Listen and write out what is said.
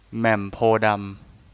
แหม่มโพธิ์ดำ